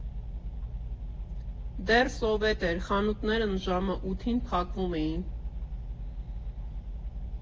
Դեռ Սովետ էր, խանութները ժամը ութին փակվում էին։